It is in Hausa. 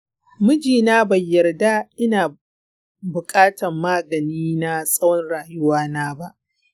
miji na bai yarda ina buƙatan maganin na tsawon rayuwana ba.